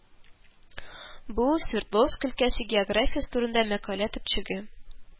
Бу Свердловск өлкәсе географиясе турында мәкалә төпчеге